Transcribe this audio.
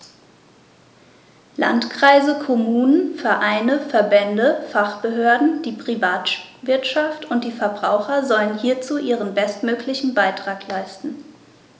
Landkreise, Kommunen, Vereine, Verbände, Fachbehörden, die Privatwirtschaft und die Verbraucher sollen hierzu ihren bestmöglichen Beitrag leisten.